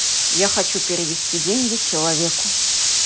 я хочу перевести деньги человеку